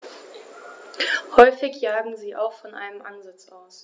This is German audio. Häufig jagen sie auch von einem Ansitz aus.